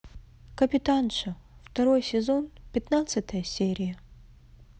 капитанша второй сезон пятнадцатая серия